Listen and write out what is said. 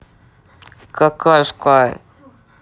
какашка